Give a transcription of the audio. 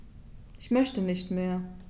Ich möchte nicht mehr.